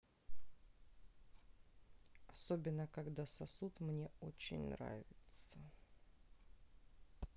особенно когда сосут мне очень нравится